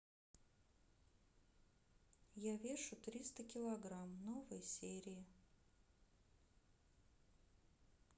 я вешу триста килограмм новые серии